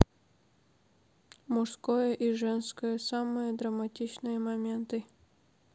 мужское и женское самые драматичные моменты